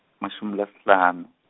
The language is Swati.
mashumi lasihlanu.